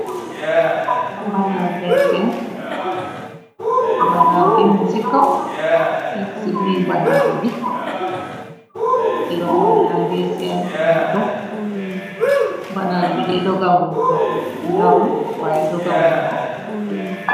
Banaan ngay seen, bannaan bi mun ci kaw nekk ci guy bannana bi, ci roon ya nge seen moto, banana bi de doganguñ ko, ñor na waaye doganguñ ko.